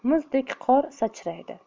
muzdek qor sachraydi